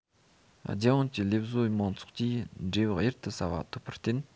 རྒྱལ ཡོངས ཀྱི ལས བཟོ པའི མང ཚོགས ཀྱིས འབྲས བུ གཡུར དུ ཟ བ འཐོབ པར བརྟེན